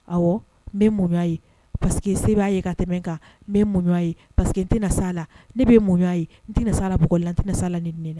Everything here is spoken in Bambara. Ɔwɔ n bɛ mun ye paseke se bɛ'a ye ka tɛmɛ kan n mun ye pa que n tɛna sa la ne bɛ munya ye n tɛna sala bo la n tɛ tɛna sala ni n